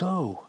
Do w-...